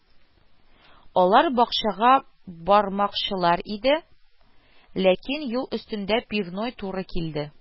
Алар бакчага бармакчылар иде, ләкин юл өстендә пивной туры килде